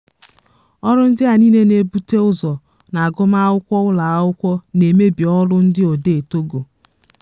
Ọrụ ndị a niile na-ebute ụzọ na agụmakwụkwọ ụlọ akwụkwọ, na-emebi ọrụ ndị odee Togo.